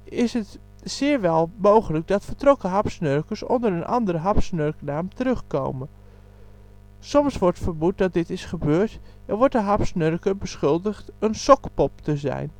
is het zeer wel mogelijk dat vertrokken hapsnurkers onder een andere hapsnurknaam terug komen. Soms wordt vermoed dat dit is gebeurd, en wordt de hapsnurker beschuldigd een sokpop te zijn